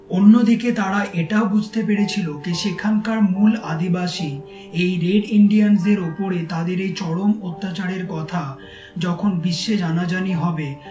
অন্যদিকে তারা এটা বুঝতে পেরেছিল যে সেখানকার মূল আদিবাসী এই রেড ইন্ডিয়ানদের উপরে তাদের এই চরম অত্যাচারের কথা যখন বিশ্বে জানাজানি হবে